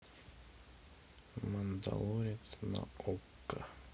мандалорец на окко